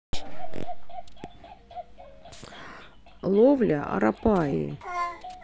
ловля арапайи